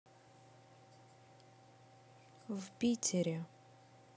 в питере